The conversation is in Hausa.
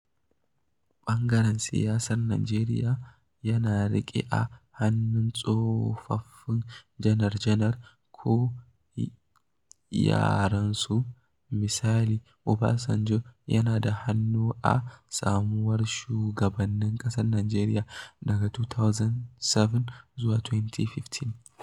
ɓangaren siyasar Najeriya yana riƙe a hannun tsofaffin janar-janar ko yaransu. Misali, Obasanjo, yana da hannu a samuwar shugabannin ƙasar Najeriya daga 2007 zuwa 2015.